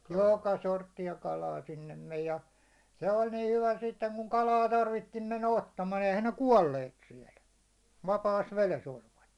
joka sorttia kalaa sinne meni ja se oli niin hyvä sitten kun kalaa tarvittiin niin mennä ottamaan eihän ne kuolleet siellä vapaassa vedessä olivat